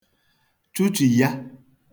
chụchiya